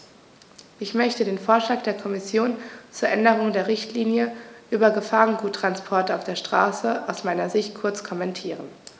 Ich möchte den Vorschlag der Kommission zur Änderung der Richtlinie über Gefahrguttransporte auf der Straße aus meiner Sicht kurz kommentieren.